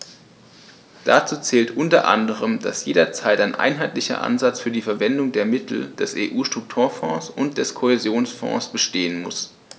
Dazu zählt u. a., dass jederzeit ein einheitlicher Ansatz für die Verwendung der Mittel der EU-Strukturfonds und des Kohäsionsfonds bestehen muss.